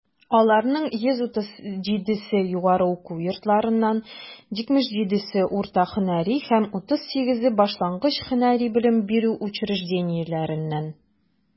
Аларның 137 се - югары уку йортларыннан, 77 - урта һөнәри һәм 38 башлангыч һөнәри белем бирү учреждениеләреннән.